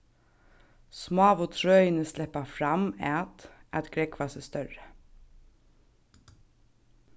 smáu trøini sleppa fram at at grógva seg størri